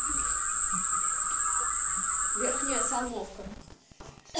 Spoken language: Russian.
верхняя салмовка